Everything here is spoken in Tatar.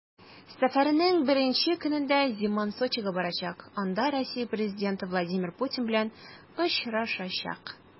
Сәфәренең беренче көнендә Земан Сочига барачак, анда Россия президенты Владимир Путин белән очрашачак.